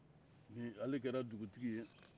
bi ale kɛra dugutigi ye